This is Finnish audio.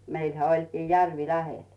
meillähän olikin järvi lähellä